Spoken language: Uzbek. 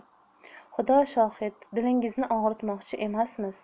xudo shohid dilingizni og'ritmoqchi emasmiz